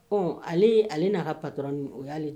Ɔ ale ale n'ara pattora o y'ale